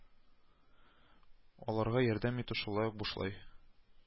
Аларга ярдәм итү шулай ук бушкай